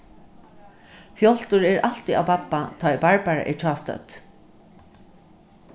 fjáltur er altíð á babba tá ið barbara er hjástødd